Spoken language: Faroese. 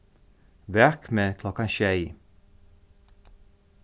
vak meg klokkan sjey